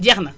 jeex na